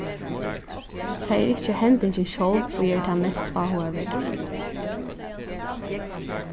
tað er ikki hendingin sjálv ið er tað mest áhugaverda